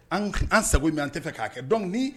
An sago min an tɛ fɛ k'a kɛ dɔn